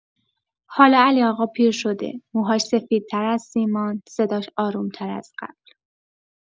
حالا علی‌آقا پیر شده، موهاش سفیدتر از سیمان، صداش آروم‌تر از قبل.